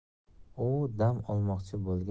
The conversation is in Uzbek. u dam olmoqchi